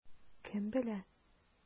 Кем белә?